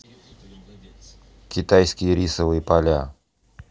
китайские рисовые поля